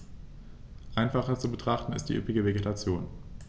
Einfacher zu betrachten ist die üppige Vegetation.